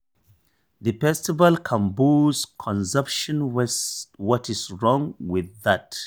The festivals can boost consumption, what’s wrong with that?